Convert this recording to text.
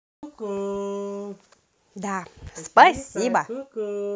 да спасибо